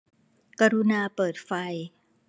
กรุณาเปิดไฟ